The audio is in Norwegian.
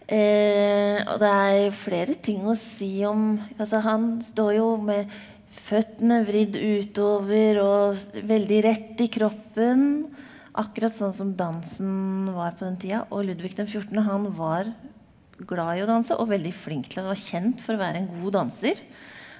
og det er flere ting å si om altså han står jo med føttene vridd utover og veldig rett i kroppen, akkurat sånn som dansen var på den tida, og Ludvig den fjortende han var glad i danse og veldig flink til han var kjent for å være en god danser.